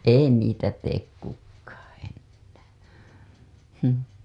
ei niitä tee kukaan enää mm